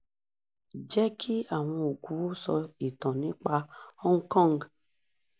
Jẹ́ kí àwọn òkú ó sọ ìtàn nípa Hong Kong